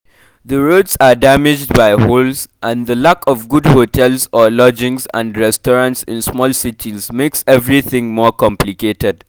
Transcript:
The roads are damaged by holes, and the lack of good hotels or lodgings and restaurants in small cities makes everything more complicated.